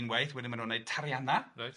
Unwaith, wedyn maen nhw'n wneud tarianna... Reit.